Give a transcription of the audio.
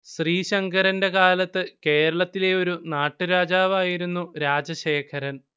ശ്രീശങ്കരന്റെ കാലത്ത് കേരളത്തിലെ ഒരു നാട്ടു രാജാവായിരുന്നു രാജശേഖരൻ